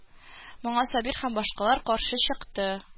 Моңар Сабир һәм башкалар каршы чыкты: